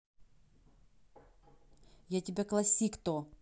я тебя classic то